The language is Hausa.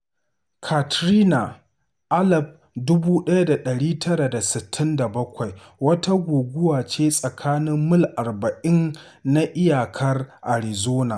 Katrina (1967) wata guguwa ce tsakanin mil 40 na iyakar Arizona.”